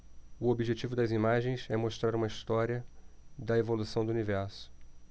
o objetivo das imagens é mostrar uma história da evolução do universo